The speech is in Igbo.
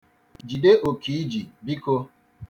Jide oke i ji, biko.